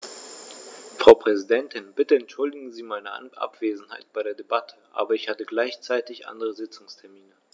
Frau Präsidentin, bitte entschuldigen Sie meine Abwesenheit bei der Debatte, aber ich hatte gleichzeitig andere Sitzungstermine.